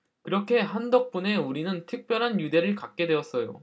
그렇게 한 덕분에 우리는 특별한 유대를 갖게 되었어요